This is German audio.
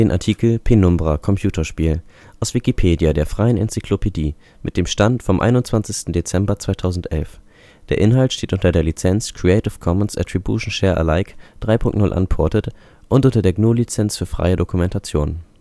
Artikel Penumbra (Computerspiel), aus Wikipedia, der freien Enzyklopädie. Mit dem Stand vom Der Inhalt steht unter der Lizenz Creative Commons Attribution Share Alike 3 Punkt 0 Unported und unter der GNU Lizenz für freie Dokumentation